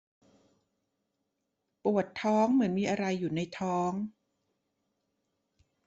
ปวดท้องเหมือนมีอะไรอยู่ในท้อง